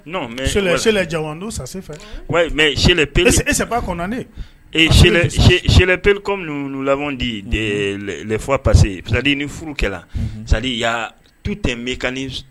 Non mais chez les jawando ça se fait, oui mais chez les peul comme nous l'avons dit les fois passés c'est à dire ni furu kɛra c'est à dire il y a tout un écanisme